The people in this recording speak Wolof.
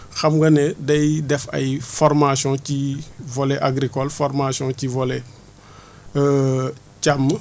xam nga ne day def ay formations ci volet agricole formation ci volet càmm